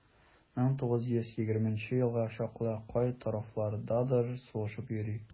1920 елга чаклы кай тарафлардадыр сугышып йөри.